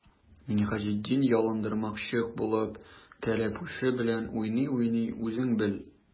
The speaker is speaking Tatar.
Минһаҗетдин, ялындырмакчы булып, кәләпүше белән уйный-уйный:— Үзең бел!